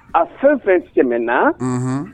A fɛn fɛn sɛɛna